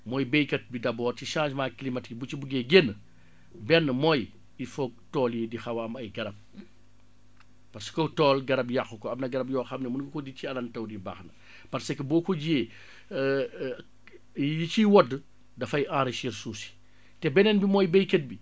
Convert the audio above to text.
mooy baykat bi d' abord ci changement climatique bu ci buggee génn benn mooy il faut tool yi di xaw a am ay garab parce que tool garab yàqu ko am na garab yoo xam ne mën nga koo ji ci anam taw di baax na parce boo ko jiwee li ciy wadd dafay enrichir suuf si te beneen bi mooy baykat bi